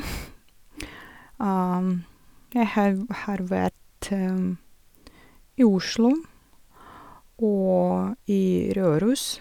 Jeg heu har vært i Oslo og i Røros.